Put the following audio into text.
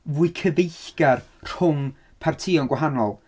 Fwy cyfeillgar rhwng partîon gwahanol.